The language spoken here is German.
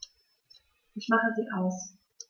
Ich mache sie aus.